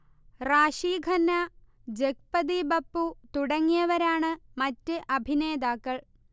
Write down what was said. റാഷി ഖന്ന, ജഗ്പതി ബപ്പു തുടങ്ങിയവരാണ് മറ്റ് അഭിനേതാക്കൾ